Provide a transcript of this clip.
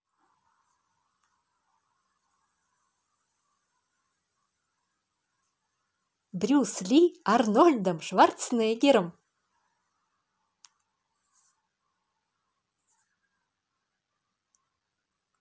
брюс ли арнольдом шварценеггером